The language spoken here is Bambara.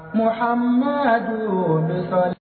Munhama don donsɔn